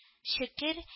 Шөкер